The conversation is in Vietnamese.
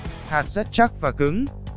hạt rất chắc và cứng